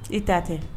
I ta tɛ